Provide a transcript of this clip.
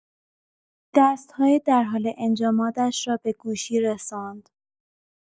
دست‌های درحال انجمادش را به گوشی رساند.